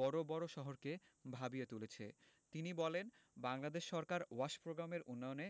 বড় বড় শহরকে ভাবিয়ে তুলেছে তিনি বলেন বাংলাদেশ সরকার ওয়াশ প্রোগ্রামের উন্নয়নে